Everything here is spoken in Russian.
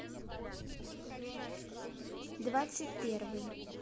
двадцать первый